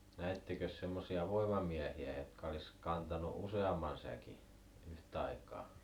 näittekös semmoisia voimamiehiä jotka olisi kantanut useamman säkin yhtaikaa